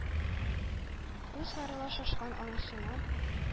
Ул сарыла шашкан анасына,